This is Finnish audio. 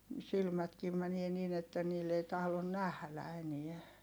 silmätkin menee niin että niillä ei tahdo nähdä enää